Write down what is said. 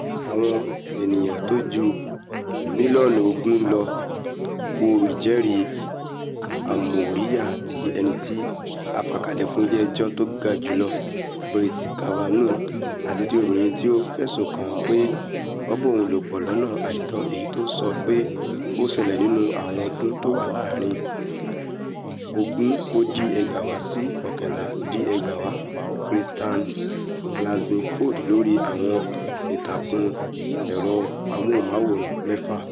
Àwọn ènìyàn tóju mílíọ̀nù ogún ló wo ìjẹ́ẹ̀rí amóríyá ti ẹnití a fàkalẹ̀ fún Ilé Ẹjọ́ tógajùlọ Brett Kavanaugh àti ti obìnrin tí o fẹ̀suǹ kàn án pé ó bá òun lòpọ̀ lọ́nà àìtọ́ èyití ó sọ pé ó ṣẹlẹ̀ nínú àwọn ọdún tówà láàrin1980 si 1989, Christine Blasey Ford, lórí àwọn ìtàkùn ẹrọ amóhùnmáwòrán mẹ́fà.